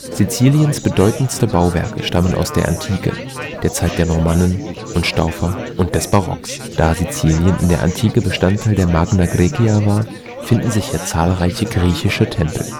Siziliens bedeutendste Bauwerke stammen aus der Antike, der Zeit der Normannen und Staufer und des Barocks. Da Sizilien in der Antike Bestandteil der Magna Graecia war, finden sich hier zahlreiche griechische Tempel